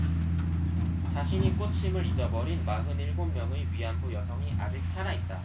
자신이 꽃임을 잊어버린 마흔 일곱 명의 위안부 여성이 아직 살아 있다